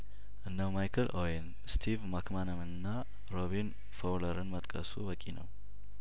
እነ ማይክል ኦዌን ስቲቭ ማክማናመንና ሮቢ ፎውለርን መጥቀሱ በቂ ነው